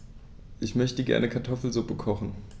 Ich möchte gerne Kartoffelsuppe kochen.